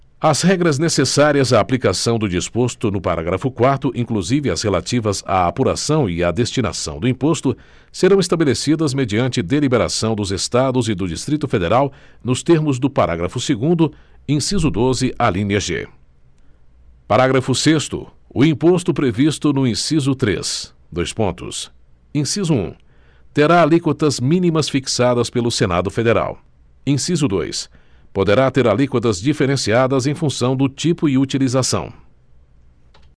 as regras necessárias à aplicação do disposto no parágrafo quarto inclusive as relativas à apuração e à destinação do imposto serão estabelecidas mediante deliberação dos estados e do distrito federal nos termos do parágrafo segundo inciso doze alínea g parágrafo sexto o imposto previsto no inciso três dois pontos inciso um terá alíquotas mínimas fixadas pelo senado federal inciso dois poderá ter alíquotas diferenciadas em função do tipo e utilização